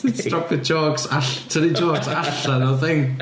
Ti'n dropio jôcs all- tynnu jôcs... ...allan o'r thing.